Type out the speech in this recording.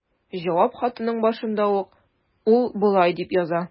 Җавап хатының башында ук ул болай дип яза.